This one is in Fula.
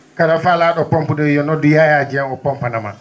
kala faala?o pompude yo noddu Yaya Dieng o pompanama